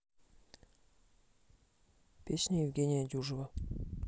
песня евгения дюжева